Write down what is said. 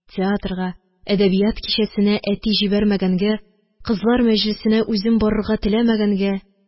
Театрга, әдәбият кичәсенә әти җибәрмәгәнгә, кызлар мәҗлесенә үзем барырга теләмәгәнгә,